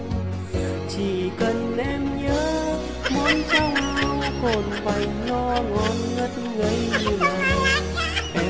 chỉ cần em nhớ mòn cháo ngao cồn vành nó ngon ngất ngây như nào